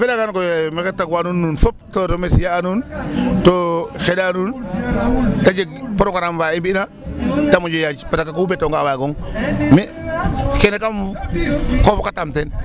A felangan koy mexey tagwa nuun nuun fop to remercier a nuun to xeɗa nuun ta jeg programme fa i mbi'na ta moƴo yaaj parce que ku betoonga a waagong mi' kene kaam ko fokatam ten.